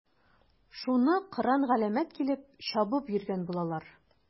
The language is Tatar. Шуны кыран-галәмәт килеп чабып йөргән булалар.